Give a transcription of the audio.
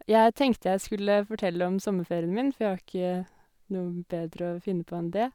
Jeg tenkte jeg skulle fortelle om sommerferien min, for jeg har ikke noe bedre å finne på enn det.